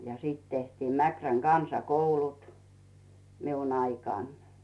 ja sitten tehtiin Mäkrän kansakoulut minun aikanani